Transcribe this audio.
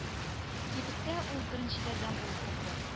Кибеткә ул беренчеләрдән булып керде.